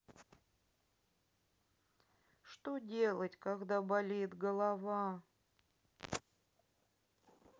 что делать когда болит голова